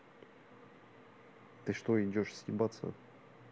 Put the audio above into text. ты что идешь съебаться